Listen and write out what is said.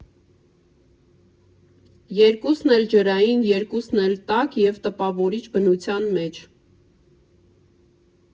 Երկուսն էլ ջրային, երկուսն էլ տաք և տպավորիչ բնության մեջ։